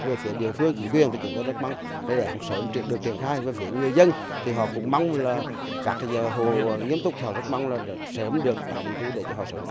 về phía địa phương chính quyền thì chúng tôi rất mong sớm được triển khai với việc người dân thì họ cũng mong là các giờ hồ nghiêm túc thảo rất mong sớm được tái định cư để cho họ sống